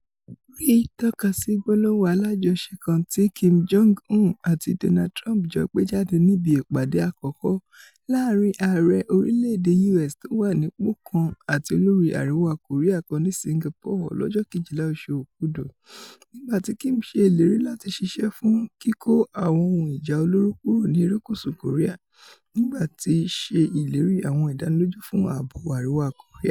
Ri tọ́kasí gbólóhùn alájọṣe kan ti Kim Jong Un àti Donald Trump jọ gbéjáde níbi ìpàdé àkọ́kọ́ láàrin ààrẹ orílẹ̀-èdè U.S. tówànípò kan àti olórí Àríwá Kòríà kan ní Singapore lọ́jọ́ kejìlá oṣù Òkúdu, nígbà tí Kim ṣe ìlérí láti ṣiṣẹ́ fún ''kíkó àwọn ohun ìjà olóró kúrò ni erékùsù Kòríà'' nígbà tí ṣe ìlérí àwọn ìdánilójú fún ààbò Àríwá Kòríà.